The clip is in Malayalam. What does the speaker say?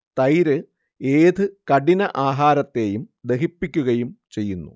തൈര് ഏത് കഠിന ആഹാരത്തെയും ദഹിപ്പിക്കുകയും ചെയ്യുന്നു